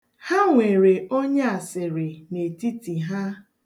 Ha nwere onyeasịrị n'etiti ha.